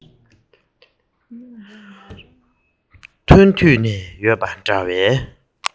ཐོན དུས ནས ཡོད པ འདྲ བས